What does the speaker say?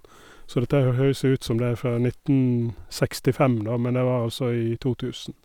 Så dette her hø høres jo ut som det er fra nitten sekstifem, da, men det var altså i to tusen.